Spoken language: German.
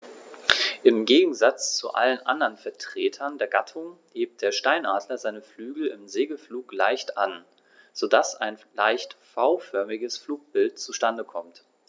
Im Gegensatz zu allen anderen Vertretern der Gattung hebt der Steinadler seine Flügel im Segelflug leicht an, so dass ein leicht V-förmiges Flugbild zustande kommt.